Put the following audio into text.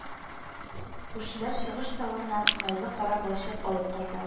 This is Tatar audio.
Күршеләр Чыгыш тавыннан майлы кара балчык алып кайталар